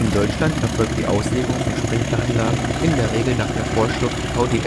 Deutschland erfolgt die Auslegung von Sprinkleranlagen in der Regel nach der Vorschrift VdS